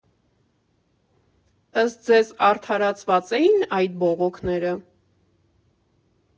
Ըստ ձեզ՝ արդարացվա՞ծ էին այդ բողոքները։